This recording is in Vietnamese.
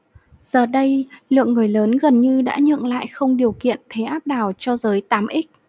giờ đây lượng người lớn gần như đã nhượng lại không điều kiện thế áp đảo cho giới tám x